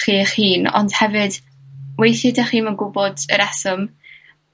chi eich hun, ond hefyd, weithiau 'dach chi'm yn gwbod y reswm